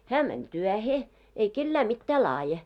hän meni työhön ei kenelle mitään laadi